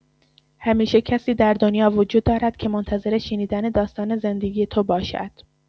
همیشه کسی در دنیا وجود دارد که منتظر شنیدن داستان زندگی تو باشد.